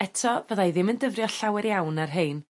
eto fyddai ddim yn dyfrio llawer iawn ar rhein